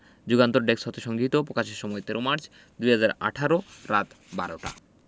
যুগান্তর ডেক্স হতে সংগৃহীত পকাশের সময় ১৩ মার্চ ২০১৮ রাত ১২:০০ টা